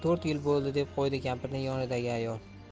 to'rt yil bo'ldi deb qo'ydi kampirning yonidagi ayol